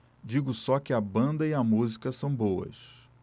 digo só que a banda e a música são boas